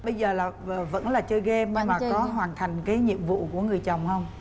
bây giờ là vẫn là chơi ghêm nhưng có hoàn thành cái nhiệm vụ của người chồng hông